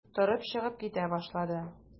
Торып чыгып китә башлады.